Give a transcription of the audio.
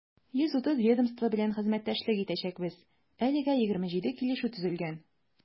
130 ведомство белән хезмәттәшлек итәчәкбез, әлегә 27 килешү төзелгән.